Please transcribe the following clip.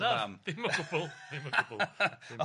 Na ddim o gwbwl, ddim o gwbwl.